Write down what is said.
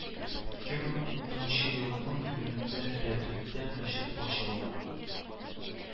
Ике мең унынчы елның июлендә рәдүттә мәчет ачылган